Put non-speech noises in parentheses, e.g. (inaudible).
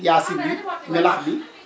(crosstalk) Yacine bi melax bi